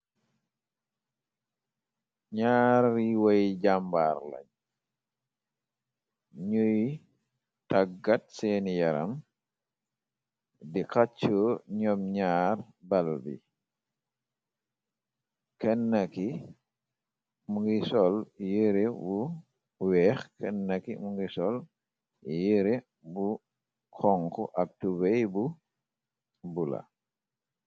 Ñaari wey jàmbaar lañ ñuy taggat seeni yaram di xaccoo ñoom ñaar bal bikennaki mungi sol yere bu weex kenna ki mungi sol yere bu konk ak tubey bu bu la.